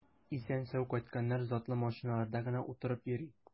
Исән-сау кайтканнар затлы машиналарда гына утырып йөри.